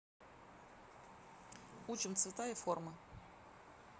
учим цвета и формы